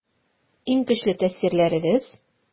Иң көчле тәэсирләрегез?